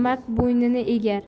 nomard bo'ynini egar